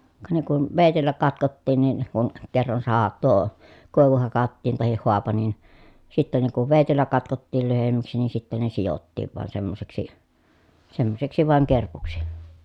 ka ne kun veitsellä katkottiin niin kun kerran - tuo koivu hakattiin tai haapa niin sitten ne kun veitsellä katkottiin lyhyemmäksi niin sitten ne sidottiin vain semmoiseksi semmoiseksi vain kerpuksi